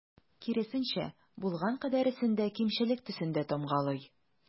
Киресенчә, булган кадәресен дә кимчелек төсендә тамгалый.